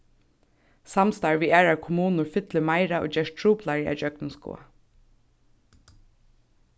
samstarv við aðrar kommunur fyllir meira og gerst truplari at gjøgnumskoða